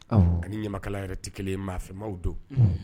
Ani ɲamakala yɛrɛ tɛ kelen ye maafɛmaw don